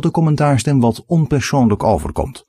commentaarstem wat onpersoonlijk overkomt